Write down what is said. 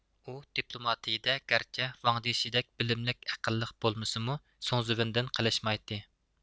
ئۇ دىپلوماتىيىدە گەرچە ۋاڭشىجيېدەك بىلىملىك ئەقىللىق بولمىسىمۇ سۇڭزىۋېندىن قېلىشمايتتى